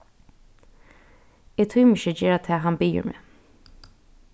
eg tími ikki at gera tað hann biður meg